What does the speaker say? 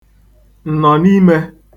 ǹnọ̀nimē